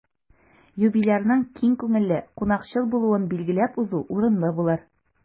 Юбилярның киң күңелле, кунакчыл булуын билгеләп узу урынлы булыр.